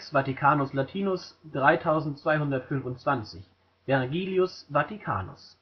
Vatikan befindet (Cod. Vat. lat. 3225; Vergilius Vaticanus